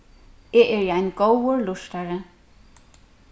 eg eri ein góður lurtari